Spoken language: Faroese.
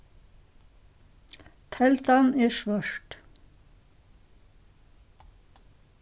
teldan er svørt